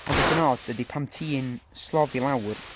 Ond be sy'n od ydi pan ti'n, slofi lawr...